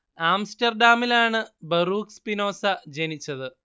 ആംസ്റ്റർഡാമിലാണ് Baruch Spinoza ജനിച്ചത്